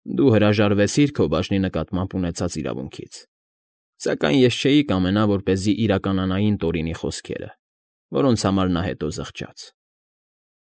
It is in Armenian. Դու հրաժարվեցիր քո բաժնի նկատմամբ ունեցած իրավունքից, սակայն ես չէի կամենա, որպեսզի իրականանային Տորինի խոսքերը, որոնց համար նա հետո զղջաց։